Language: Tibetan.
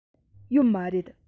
ཡོད མ རེད